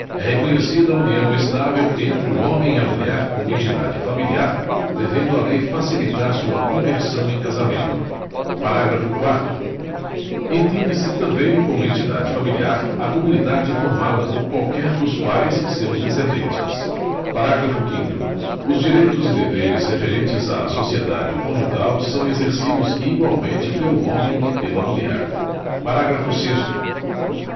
é reconhecida a união estável entre o homem e a mulher como entidade familiar devendo a lei facilitar sua conversão em casamento parágrafo quarto entende se também como entidade familiar a comunidade formada por qualquer dos pais e seus descendentes parágrafo quinto os direitos e deveres referentes à sociedade conjugal são exercidos igualmente pelo homem e pela mulher parágrafo sexto